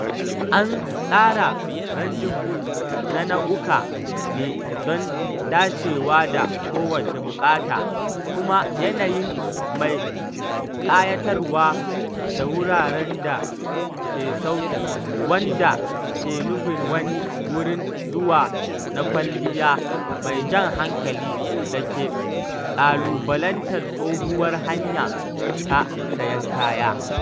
An tsara ranjinmu na nau’uka ne don dacewa da kowace buƙata kuma yanayin mai ƙayatarwa da wuraren da ke sauki wanda ke nufin wani wurin zuwa na kwalliya mai jan hankali da ke ƙalubalantar tsohuwar hanya ta sayan kaya.”